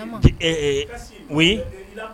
We